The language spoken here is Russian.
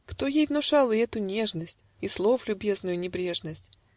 Кто ей внушал и эту нежность, И слов любезную небрежность?